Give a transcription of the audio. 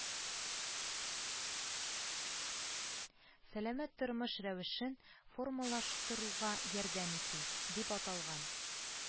Сәламәт тормыш рәвешен формалаштыруга ярдәм итү” дип аталган